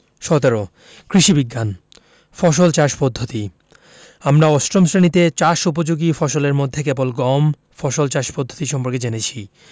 ১৭ কৃষি বিজ্ঞান ফসল চাষ পদ্ধতি আমরা অষ্টম শ্রেণিতে চাষ উপযোগী ফসলের মধ্যে কেবল গম ফসল চাষ পদ্ধতি সম্পর্কে জেনেছি